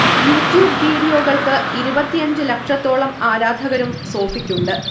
YouTube വീഡിയോകൾക്ക് ഇരുപത്തിയഞ്ച് ലക്ഷത്തോളം ആരാധകരും സോഫിക്കുണ്ട്